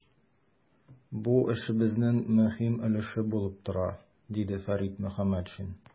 Бу эшебезнең мөһим өлеше булып тора, - диде Фәрит Мөхәммәтшин.